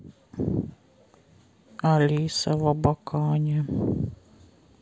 алиса в абакане